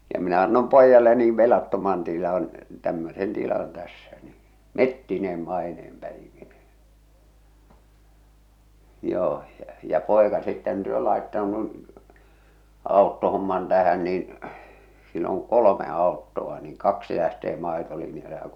ja minä annoin pojalle niin velattoman tilan tämmöisen tilan tässä niin metsineen maineen päivineen joo ja ja poika sitten työ laittautunut autohomman tähän niin sillä on kolme autoa niin kaksi lähtee maitolinjalle ja